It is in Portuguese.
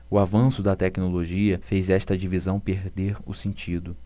o avanço da tecnologia fez esta divisão perder o sentido